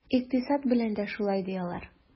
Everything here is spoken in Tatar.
Икътисад белән дә шулай, ди алар.